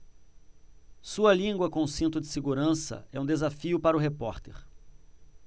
sua língua com cinto de segurança é um desafio para o repórter